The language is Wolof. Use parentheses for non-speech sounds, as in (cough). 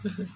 (hesitation) (hesitation)